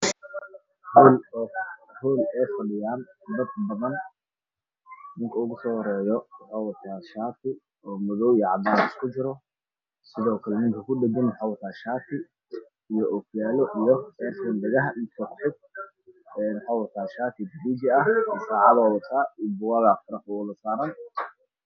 Meshaan waa hool ay fadhiyaan dad badan ninka ugu soo horeyo wuxuu wataa shaati cadaan iyo madow isku jiro